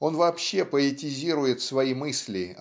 Он вообще поэтизирует свои мысли